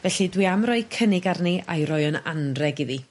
felly dwi am roi cynnig arni a'i roi yn anreg iddi.